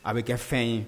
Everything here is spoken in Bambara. A bɛ kɛ fɛn ye